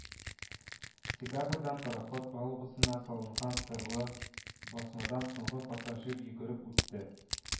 Декабердан пароход палубасына салынган сырлы басмадан соңгы пассажир йөгереп үтте